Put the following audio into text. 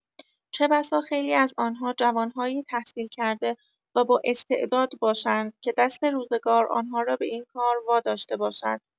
چه‌بسا خیلی از آنها جوان‌هایی تحصیلکرده و بااستعداد باشند که دست روزگار آنها را به این کار واداشته باشد.